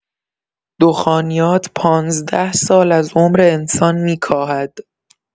دخانیات ۱۵ سال از عمر انسان می‌کاهد.